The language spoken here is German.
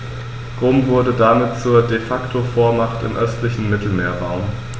Rom wurde damit zur ‚De-Facto-Vormacht‘ im östlichen Mittelmeerraum.